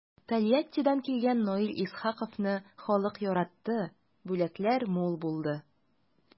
Тольяттидан килгән Наил Исхаковны халык яратты, бүләкләр мул булды.